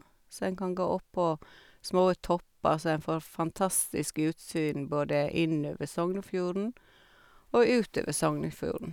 Så en kan gå opp på små topper så en får fantastisk utsyn både innover Sognefjorden og utover Sognefjorden.